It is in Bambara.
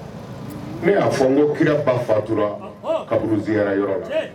Ne y'a fɔ n ko kira pan fatura kaburu zra yɔrɔ